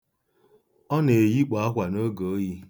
Ọ na-eyikpo akwa n'oge oyi.